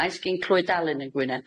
Faint sgin Clwyd Alun yn Gwynedd?